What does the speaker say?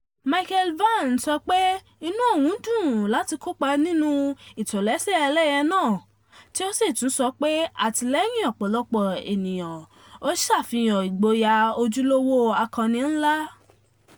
Michael Vann sọ pé “inú òun dùn láti kópa nínú ìtòlẹ́ṣẹ ẹlẹ́yẹ náà” tí ó sì tún sọ pé “Àtìlẹyìn ọ̀pọ̀lọpọ̀ ènìyàn ó ṣàfihàn ìgboyà ojúlówó akọni ńlá."